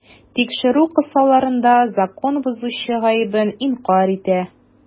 Тикшерү кысаларында закон бозучы гаебен инкарь итә.